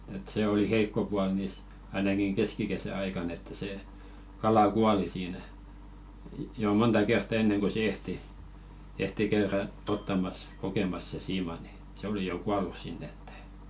että se oli heikko puoli niissä ainakin keskikesän aikana että se kala kuoli siinä jo monta kertaa ennen kuin sen ehti ehti käydä ottamassa kokemassa sen siiman niin se oli kuollut sinne että ei